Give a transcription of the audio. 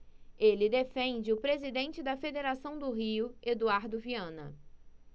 ele defende o presidente da federação do rio eduardo viana